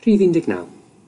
Rhif un deg naw.